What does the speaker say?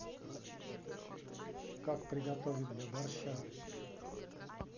как приготовить для борща